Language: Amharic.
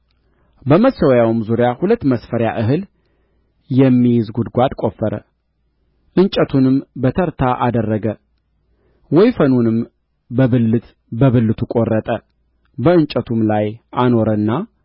በመሠዊያውም ዙሪያ ሁለት መስፈሪያ እህል የሚያዝ ጕድጓድ ቈፈረ እንጨቱንም በተርታ አደረገ ወይፈኑንም በብልት በብልቱ ቈረጠ በእንጨቱም ላይ አኖረና